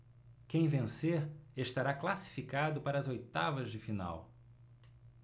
quem vencer estará classificado para as oitavas de final